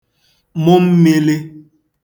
mụ mmīlī